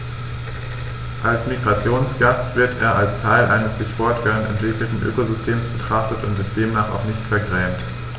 Als Migrationsgast wird er als Teil eines sich fortwährend entwickelnden Ökosystems betrachtet und demnach auch nicht vergrämt.